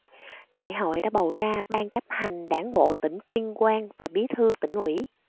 đại hội đã bầu ra ban chấp hành đảng bộ tỉnh tuyên quang và bí thư tỉnh ủy